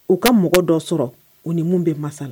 U ka mɔgɔ dɔ sɔrɔ u ni minnu bɛ masa la